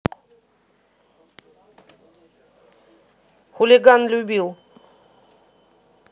хулиган любил